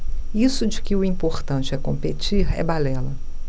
isso de que o importante é competir é balela